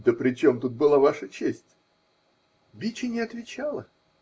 -- Да причем тут была ваша честь?! Биче не отвечала.